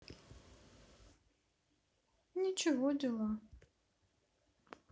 ничего дела